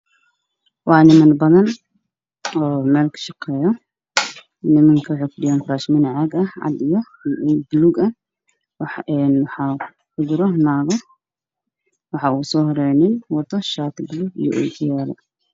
Waa niman badan oo meel ka shaqeeyo niman waxay fadhiyaan nashiman caag ah cad iyo baluug ah waxaa ku jira naago waxaa ugu soo horeeyo nin wato shaati baluug iyo ookiyaalo.